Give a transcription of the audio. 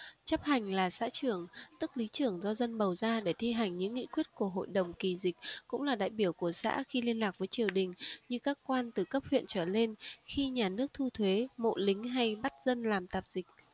chấp hành là xã trưởng tức lý trưởng do dân bầu ra để thi hành những nghị quyết của hội đồng kỳ dịch cùng là đại biểu của xã khi liên lạc với triều đình như các quan từ cấp huyện trở lên khi nhà nước thu thuế mộ lính hay bắt dân làm tạp dịch